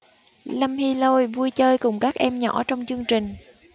lâm hy lôi vui chơi cùng các em nhỏ trong chương trình